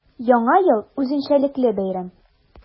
Яңа ел – үзенчәлекле бәйрәм.